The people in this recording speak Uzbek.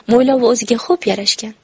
mo'ylovi o'ziga xo'p yarashgan